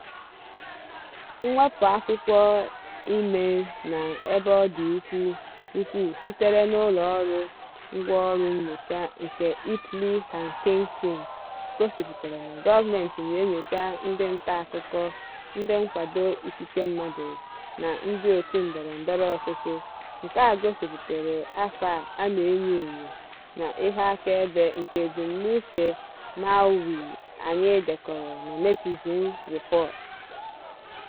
Mwepu akwụkwọ ime n'ebe ọ dị ukwuu sitere n'ụlọọrụ ngwanro nnyocha nke Italy Hacking Team gosịpụtara na gọọmentị na-enyocha ndị ntaakụkọ, ndị nkwado ikike mmadụ na ndịòtù ndọrọndọrọ ọchịchị - nke a gosịpụtara afọ a na-enyo enyo na ihe akaebe nke ebumnuche malwee anyị dekọrọ na Netizen Report.